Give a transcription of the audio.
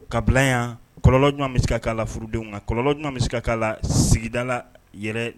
Ka bila yan kɔlɔlɔjɔ bɛ se ka k'a la furudenw kɔlɔlɔnjɔ bɛ se ka k'a la sigidala yɛrɛ